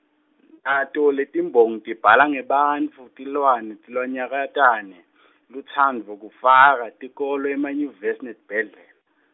nato letiMbongi tibhala ngebantfu, tilwane, tilwanyakatane , lutsandvo kafaka, tikolo, emanyuvesi netibhedlela.